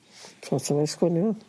So ti moyn sgwennu fo?